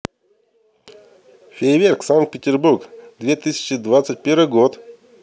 фейерверк санкт петербург две тысячи двадцать первый год